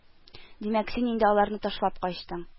Димәк, син инде аларны ташлап качтың